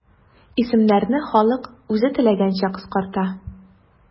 Исемнәрне халык үзе теләгәнчә кыскарта.